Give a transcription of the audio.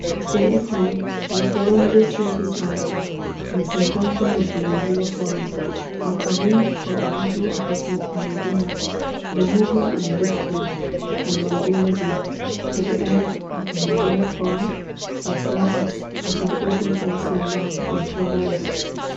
In Italy, the Firenze City Council, in conjunction with the Mandela Forum, have arranged for a video about Mr Mandela, the movie Invictus and Mandela Day, to be aired at the Mandela Forum as well as at an open air cinema in Florence.